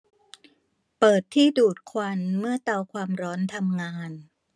เปิดที่ดูดควันเมื่อเตาความร้อนทำงาน